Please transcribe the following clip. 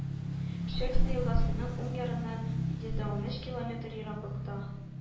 Шексна елгасының уң ярыннан йөз дә унөч километр ераклыкта